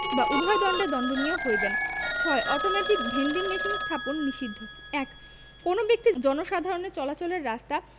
বা উভয় দন্ডে দন্ডনীয় হইবেন ৬ অটোমেটিক ভেন্ডিং মেশিন স্থাপন নিষিদ্ধঃ ১ কোন ব্যক্তি জনসাধারণের চলাচলের রাস্তা